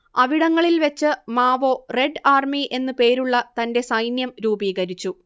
അവിടങ്ങളിൽ വെച്ച് Mao red army എന്നു പേരുള്ള തന്റെ സൈന്യം രൂപീകരിച്ചു